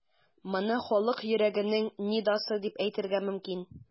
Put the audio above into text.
Моны халык йөрәгенең нидасы дип әйтергә мөмкин.